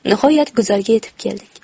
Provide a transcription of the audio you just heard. nihoyat guzarga yetib keldik